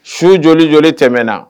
Su joli joli tɛmɛna